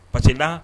Parce que n'a